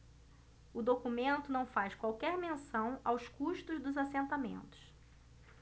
o documento não faz qualquer menção aos custos dos assentamentos